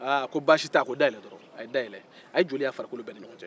aaa a ko basi tɛ a ko dayɛlɛ dɔrɔn a ye dayɛlɛ a ye joli y'a farikolo bɛ ni ɲɔgɔn cɛ